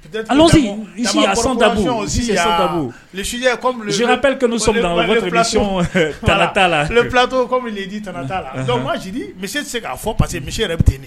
Directement dans mon allons y dans ma corporation aussi il y'a ici à sans tabou le sujet est comme le je rappelle que nous sommes dans votre émission TANA TAALA le plateau comme il le dit TANA TAALA donc moi je dis monsieur ti se k'a fɔ parce que monsieur yɛrɛ bi ten de